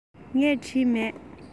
ངས བྲིས མེད